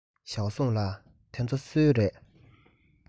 ཞའོ སུང ལགས འདི ཚོ སུའི རེད